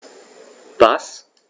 Was?